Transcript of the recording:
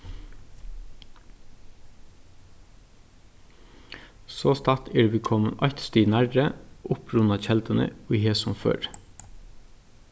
sostatt eru vit komin eitt stig nærri upprunakelduni í hesum føri